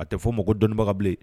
A tɛ fɔ' ma ko dɔnnibagabilen